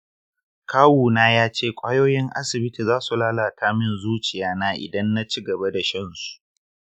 kawu na yace ƙwayoyin asibiti zasu lalata min zuciya na idan na shigaba da shan su.